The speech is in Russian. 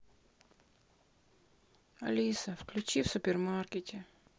алиса включи в супермаркете